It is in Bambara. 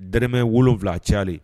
Dɛrɛmɛ wolonwula a cayalen